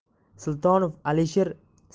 sultonov alisher